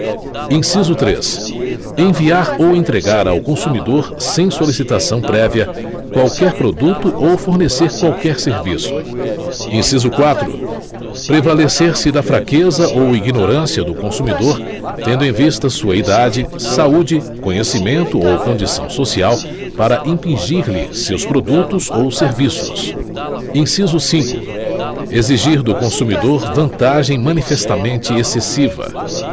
inciso três enviar ou entregar ao consumidor sem solicitação prévia qualquer produto ou fornecer qualquer serviço inciso quatro prevalecer se da fraqueza ou ignorância do consumidor tendo em vista sua idade saúde conhecimento ou condição social para impingir-lhe seus produtos ou serviços inciso cinco exigir do consumidor vantagem manifestamente excessiva